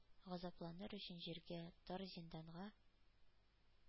Газапланыр өчен җиргә, тар зинданга.